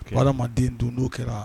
Adamaden don dɔ kɛra